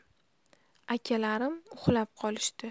akalarim uxlab qolishdi